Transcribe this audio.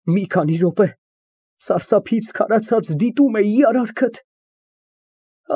Մի քանի րոպե, սարսափից քարացած, դիտում էի արարքդ։